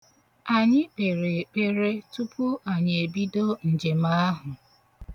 Anyị kpere ekpere tupu anyị ebido njem ahụ.